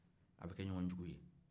aw bɛ kɛ ɲɔgɔn jugu ye